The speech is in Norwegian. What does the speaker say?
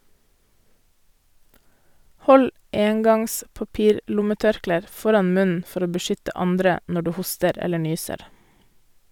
Hold engangs papirlommetørklær foran munnen for å beskytte andre når du hoster eller nyser.